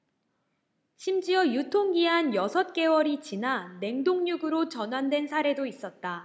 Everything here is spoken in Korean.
심지어 유통기한 여섯 개월이 지나 냉동육으로 전환된 사례도 있었다